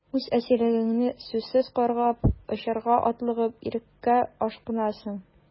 Үз әсирлегеңне сүзсез каргап, очарга атлыгып, иреккә ашкынасың...